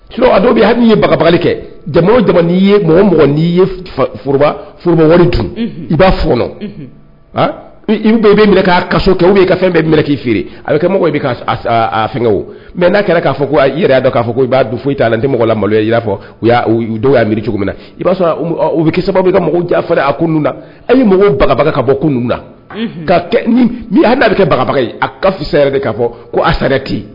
Su dɔw bɛ hali n ye baba kɛ jama dɔgɔnin'i ye mɔgɔ mɔgɔ nbaoroba dun i'a f kɔnɔ bɛ minɛ k' kaso kɛ ka fɛn bɛɛ k'i feere a bɛ kɛ mɔgɔ bɛ fɛ o mɛ n'a kɛra k'a fɔ yɛrɛ' dɔn k'a i b'a don fo i t' la tɛ maloya i' fɔ y dɔw y'airi cogo min na i'a sɔrɔ u bɛ sababu ka mɔgɔ jafa a na e ni mɔgɔ bagabaga ka bɔ kunun na n'a bɛ kɛ baba a ka' fɔ ko asa tɛ